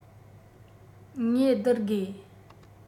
ངེས སྡུར དགོས